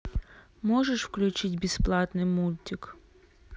можешь включить бесплатный мультик